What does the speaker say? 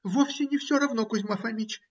- Вовсе не все равно, Кузьма Фомич